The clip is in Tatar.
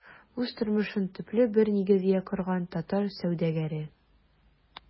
Үз тормышын төпле бер нигезгә корган татар сәүдәгәре.